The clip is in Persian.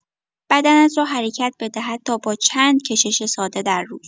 بدنت را حرکت بده، حتی با چند کشش ساده در روز.